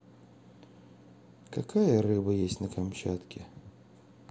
какая рыба есть на камчатке